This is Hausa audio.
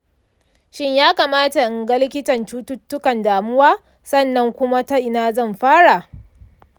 shin ya kamata in ga likitan cututtukan damuwa, sannan kuma ta ina zan fara?